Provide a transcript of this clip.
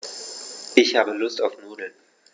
Ich habe Lust auf Nudeln.